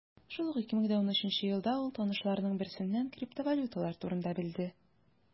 Шул ук 2013 елда ул танышларының берсеннән криптовалюталар турында белде.